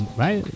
walay